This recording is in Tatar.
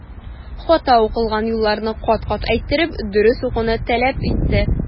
Хата укылган юлларны кат-кат әйттереп, дөрес укуны таләп итте.